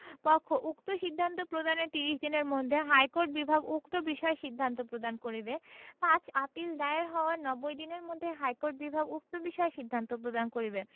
পক্ষ উক্ত সিদ্ধান্ত প্রদানের ত্রিশ দিনের মধ্যে হাইকোর্ট বিভাগ উক্ত বিষয়ে সিদ্ধান্ত প্রদান করিবে ৫ আপীল দায়ের হওয়ার নব্বই দিনের মধ্যে হাইকোর্ট বিভাগ উক্ত বিষয়ে সিদ্ধান্ত প্রদান করিবে